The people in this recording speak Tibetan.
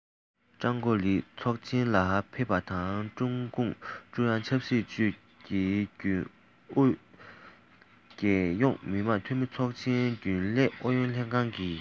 ཀྲང ཀའོ ལི ཚོགས ཆེན ལ ཕེབས པ དང ཀྲུང གུང ཀྲུང དབྱང ཆབ སྲིད ཅུས ཀྱི རྒྱུན ཨུ རྒྱལ ཡོངས མི དམངས འཐུས ཚོགས རྒྱུན ལས ཨུ ཡོན ལྷན ཁང གི